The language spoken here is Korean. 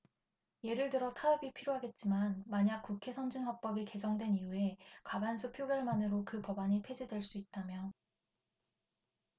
예를 들어 타협이 필요하겠지만 만약 국회선진화법이 개정된 이후에 과반수 표결만으로 그 법안이 폐지될 수 있다면